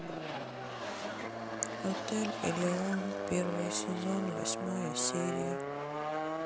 отель элеон первый сезон восьмая серия